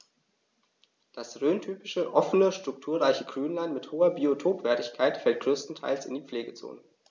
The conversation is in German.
Das rhöntypische offene, strukturreiche Grünland mit hoher Biotopwertigkeit fällt größtenteils in die Pflegezone.